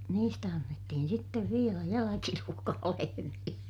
niistä annettiin sitten vielä jälkiruokaa lehmille